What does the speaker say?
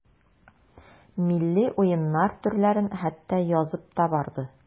Милли уеннар төрләрен хәтта язып та барды.